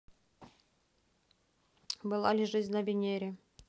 была ли жизнь на венере